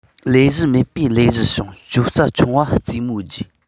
ལབ གཞི མེད པའི ལབ གཞི བྱུང གྱོད རྩ ཆུང ལ རྩེ མོ རྒྱས